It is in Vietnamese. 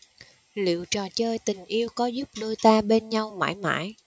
liệu trò chơi tình yêu có giúp đôi ta bên nhau mãi mãi